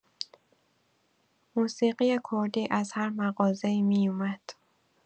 موسیقی کردی از هر مغازه‌ای میومد.